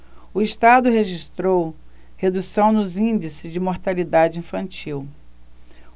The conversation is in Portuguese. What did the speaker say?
o estado registrou redução nos índices de mortalidade infantil